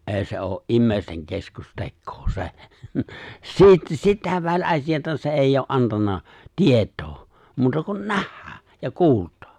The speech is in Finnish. ei se ole ihmisten keskustekoa se - sitä väliasiaa se ei ole antanut tietoa muuta kuin nähdä ja kuulla